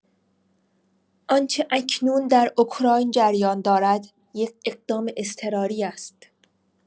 آنچه اکنون در اوکراین جریان دارد، یک اقدام اضطراری است.